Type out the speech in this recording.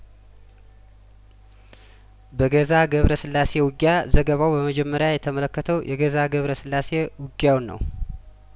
በገዛ ገብረስላሴ ውጊያ ዘገባው በመጀመሪያ የተመለከተው የገዛ ገብረስላሴ ውጊያውን ነው